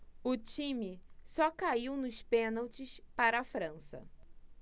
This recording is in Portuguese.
o time só caiu nos pênaltis para a frança